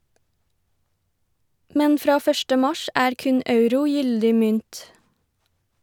Men fra første mars er kun euro gyldig mynt.